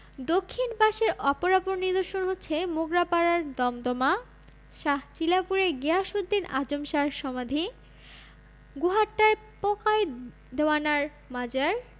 দক্ষিণ পাশের অপরাপর নিদর্শন হচ্ছে মোগরাপাড়ার় দমদমা শাহ চিলাপুরে গিয়াসউদ্দীন আজম শাহ র সমাধি গোহাট্টায় পোঁকাই দেওয়ানার মাজার